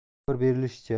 xabar berilishicha